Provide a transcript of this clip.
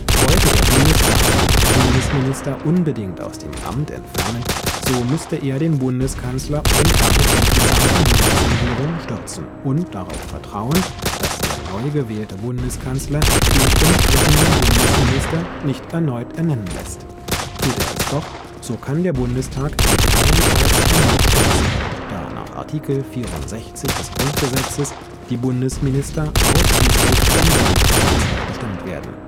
Wollte der Bundestag einen Bundesminister unbedingt aus dem Amt entfernen, so müsste er den Bundeskanzler und damit die gesamte Bundesregierung stürzen und darauf vertrauen, dass der neu gewählte Bundeskanzler den umstrittenen Bundesminister nicht erneut ernennen lässt. Tut er es doch, so kann der Bundestag ihn allenfalls erneut stürzen, da nach Artikel 64 des Grundgesetzes die Bundesminister ausschließlich vom Bundeskanzler bestimmt werden